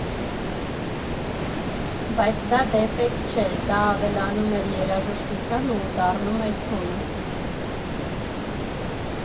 Բայց դա դեֆեկտ չէր, դա ավելանում էր երաժշտությանը ու դառնում էր քոնը։